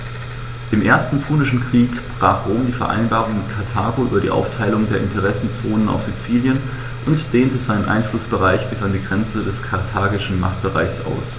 Im Ersten Punischen Krieg brach Rom die Vereinbarung mit Karthago über die Aufteilung der Interessenzonen auf Sizilien und dehnte seinen Einflussbereich bis an die Grenze des karthagischen Machtbereichs aus.